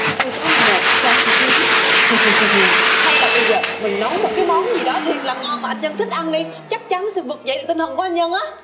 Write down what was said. tôi có một sáng kiến hì hì hì hì hay là bây giờ mình nấu một cái món gì đó thiệt là ngon mà anh nhân thích ăn đi chắc chắn sẽ vực dậy được tinh thần của anh nhân á